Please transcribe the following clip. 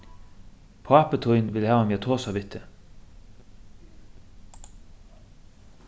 pápi tín vil hava meg at tosa við teg